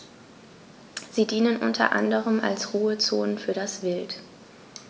Sie dienen unter anderem als Ruhezonen für das Wild.